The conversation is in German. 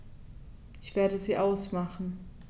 Ich werde sie ausmachen.